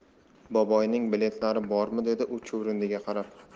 boboyning biletlari bormi dedi u chuvrindiga qarab